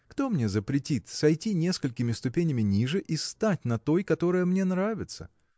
Кто мне запретит сойти несколькими ступенями ниже и стать на той которая мне нравится?